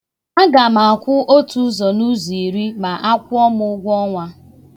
A ga m akwụ otuuzọ nụụzọ iri ma akwụọ m ụgwọ ọnwa.